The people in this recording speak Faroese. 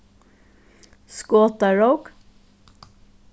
skotarók